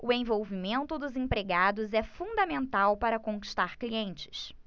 o envolvimento dos empregados é fundamental para conquistar clientes